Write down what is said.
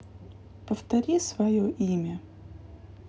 повтори свое имя